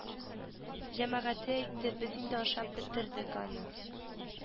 Җәмәгате әйтте без инде ашап бетердек аны